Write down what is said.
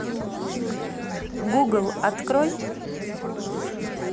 google открой